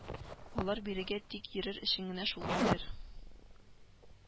Алар бирегә тик йөрер өчен генә шулкадәр